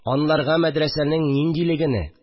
Анларга мәдрәсәнең ниндилегене